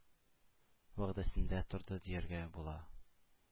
Вәгъдәсендә торды дияргә була.